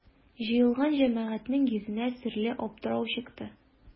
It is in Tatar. Җыелган җәмәгатьнең йөзенә серле аптырау чыкты.